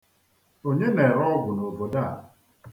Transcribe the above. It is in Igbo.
Onye na-ere ọgwụ n'obodo a?